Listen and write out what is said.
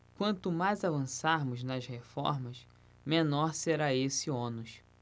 quanto mais avançarmos nas reformas menor será esse ônus